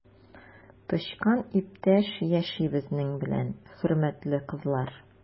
Тычкан иптәш яши безнең белән, хөрмәтле кызлар!